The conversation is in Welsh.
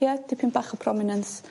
Ia dipyn bach o prominencse.